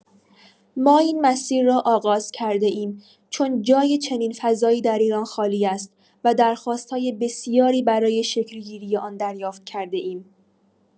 ما این مسیر را آغاز کرده‌ایم چون جای چنین فضایی در ایران خالی است و درخواست‌های بسیاری برای شکل‌گیری آن دریافت کرده‌ایم.